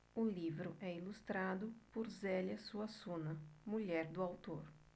o livro é ilustrado por zélia suassuna mulher do autor